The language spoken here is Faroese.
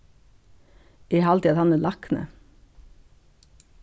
eg haldi at hann er lækni